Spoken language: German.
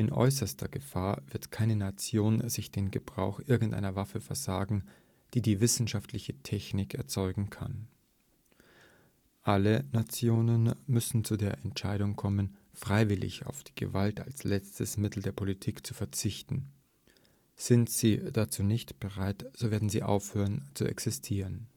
äußerster Gefahr wird keine Nation sich den Gebrauch irgendeiner Waffe versagen, die die wissenschaftliche Technik erzeugen kann. Alle Nationen müssen zu der Entscheidung kommen, freiwillig auf die Gewalt als letztes Mittel der Politik zu verzichten. Sind sie dazu nicht bereit, so werden sie aufhören zu existieren